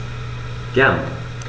Gern.